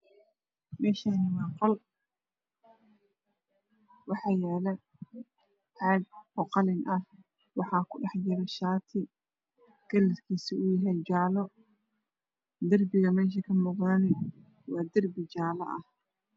Meeshaan waa qol waxaa yaalo caag oo qalin ah waxaa ku dhexjiro shaati kalarkiisu uuyahay jaale darbiga meesha kamuuqdanaa kalarkiisa waa jaale